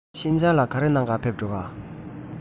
ཤིན ཅང ལ ག རེ གནང ག ཕེབས འགྲོ ག